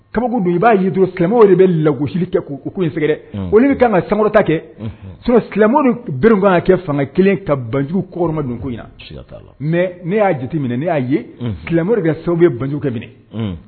Kaba don i b'a y'i don silamɛ de bɛ lagosili kɛ k u in sɛg dɛ olu bɛ ka saro ta kɛ silamɛ berekan' kɛ fanga kelen ka banjugu koma ko mɛ ne y'a jate minɛ ne y'a ye silamɛ de kɛ sanu bɛ banjugu kɛ minɛ